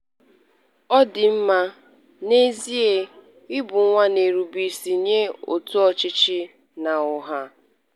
Ọ dị mma, n'ezie ị bụ nwa na-erube isi nye òtù ọchịchị na ọha.